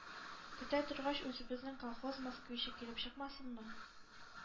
Көтә торгач, үзебезнең колхоз ”Москвич“ы килеп чыкмасынмы!